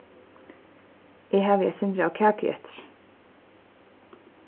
eg havi eitt sindur av kaku eftir